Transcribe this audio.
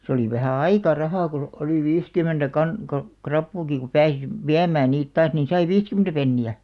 se oli vähän aika rahaa kun oli viisikymmentä -- rapuakin kun pääsi viemään niitä taas niin sai viisikymmentä penniä